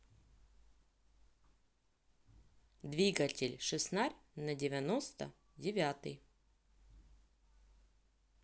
двигатель шеснарь на девяносто девятый